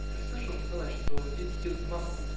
-- Ты слышал, Николай, что дети едут в Москву?